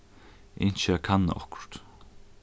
eg ynski at kanna okkurt